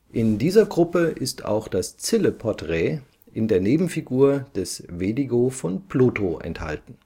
In dieser Gruppe ist auch das Zille-Porträt in der Nebenfigur des Wedigo von Plotho enthalten